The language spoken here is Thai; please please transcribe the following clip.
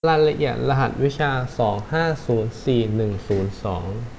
รายละเอียดรหัสวิชาสองห้าศูนย์สี่หนึ่งศูนย์สอง